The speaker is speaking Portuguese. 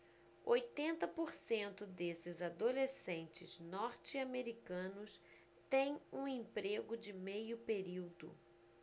oitenta por cento desses adolescentes norte-americanos têm um emprego de meio período